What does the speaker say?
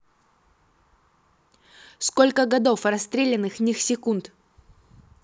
сколько годов расстрелянных них секунд